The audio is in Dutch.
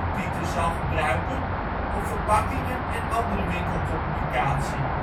Pieten zal gebruiken op verpakkingen en andere winkelcommunicatie